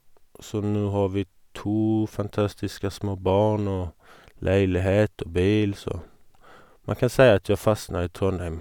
Så nå har vi to fantastiske små barn og leilighet og bil, så man kan si at jeg fastnet i Trondheim.